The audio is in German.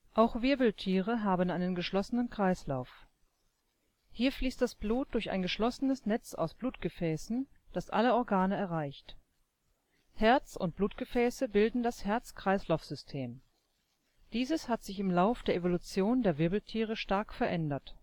Auch Wirbeltiere haben einen geschlossenen Kreislauf. Hier fließt das Blut durch ein geschlossenes Netz aus Blutgefäßen, das alle Organe erreicht. Herz und Blutgefäße bilden das Herz-Kreislauf-System. Dieses hat sich im Lauf der Evolution der Wirbeltiere stark verändert